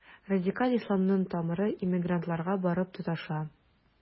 Радикаль исламның тамыры иммигрантларга барып тоташа.